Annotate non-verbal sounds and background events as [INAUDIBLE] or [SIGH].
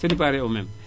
[NOISE] c' du pareil au même